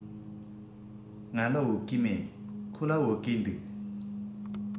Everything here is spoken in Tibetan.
ང ལ བོད གོས མེད ཁོ ལ བོད གོས འདུག